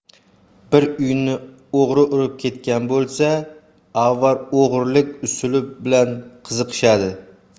bir uyni o'g'ri urib ketgan bo'lsa avval o'g'irlik usuli bilan qiziqishadi